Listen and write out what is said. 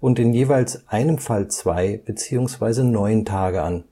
und in jeweils einem Fall zwei bzw. neun Tage an